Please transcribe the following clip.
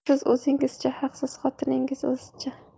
siz o'zingizcha haqsiz xotiningiz o'zicha